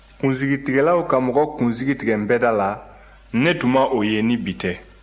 kunsigitigɛlaw ka mɔgɔ kunsigi tigɛ nbɛda la ne tun ma o ye ni bi tɛ